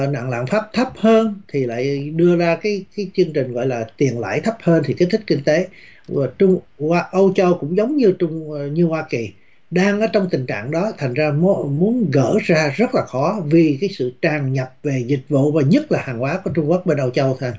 ò nạn lạm phát thấp hơn thì lại đưa ra cái cái chương trình gọi là tiền lãi thấp hơn thì kích thích kinh tế của trung qua âu châu cũng giống như trung như hoa kỳ đang ở trong tình trạng đó thành ra mô muốn gỡ ra rất là khó vì cái sự tràn nhập về dịch vụ và nhất là hàng hóa của trung quốc bên âu châu thơi